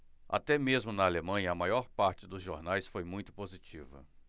até mesmo na alemanha a maior parte dos jornais foi muito positiva